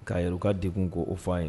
K'a yɛrɛ ka de ko o f'a ye